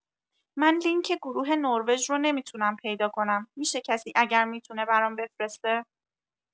من لینک گروه نروژ رو نمی‌تونم پیدا کنم می‌شه کسی اگر می‌تونه برام بفرسته؟